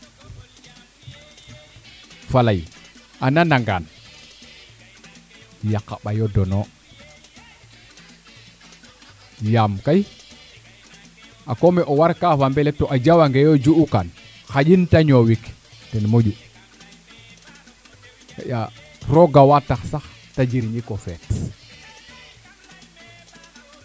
faley a nana ngaan yaqo buyo dono yaam kay a koomala o warka fambale to a jawa nge yo ju'u kaan xaƴin te ñoowik ten moƴu xaƴa roogawa tax sax te jirñiko feet